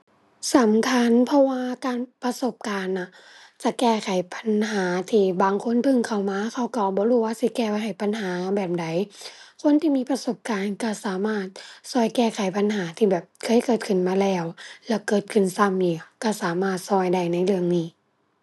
สำคัญ เพราะว่าการ ประสบการณ์น่ะ จะแก้ไขปัญหาที่บางคนพึ่งเข้ามา เขาก็บ่รู้ว่าสิแก้ไข ปัญหาแบบใด คนที่มีประสบการณ์ก็สามารถก็แก้ไขปัญหาที่แบบเคยเกิดขึ้นมาแล้ว แล้วเกิดขึ้นซ้ำอีก ก็สามารถก็ได้ในเรื่องนี้